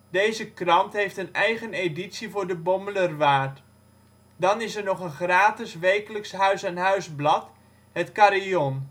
Deze krant heeft een eigen editie voor de Bommelerwaard. Dan is er nog een gratis wekelijkse huis-aan-huis blad, Het Carillon